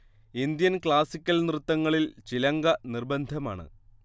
Indian classical നൃത്തങ്ങളിൽ ചിലങ്ക നിർബന്ധമാണ്